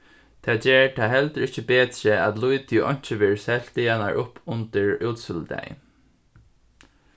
tað ger tað heldur ikki betri at lítið og einki verður selt dagarnar upp undir útsøludagin